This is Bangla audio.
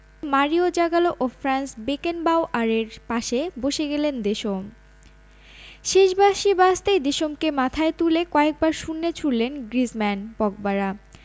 মারিও জাগালো ও ফ্রাঞ্জ বেকেনবাওয়ারের পাশে বসে গেলেন দেশম শেষ বাঁশি বাজতেই দেশমকে মাথায় তুলে কয়েকবার শূন্যে ছুড়লেন গ্রিজমান পগবারা